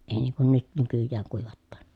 ei niin kuin nyt nykyään kuivataan